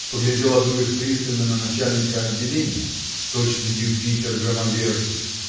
Поглядел Адуев пристально на начальника отделения точно Юпитер-громовержец